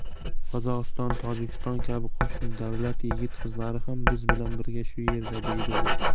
qozog'iston tojikiston kabi qo'shni davlat yigit qizlari ham biz bilan birga shu yerda deydi u